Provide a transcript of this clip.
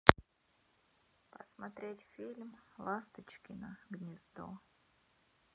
посмотреть фильм ласточкино гнездо